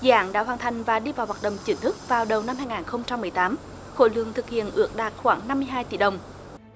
dự án đã hoàn thành và đi vào hoạt động chính thức vào đầu năm hai ngàn không trăm mười tám khối lượng thực hiện ước đạt khoảng năm mươi hai tỷ đồng